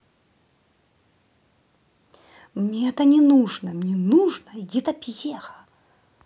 мне это не нужно мне нужна эдита пьеха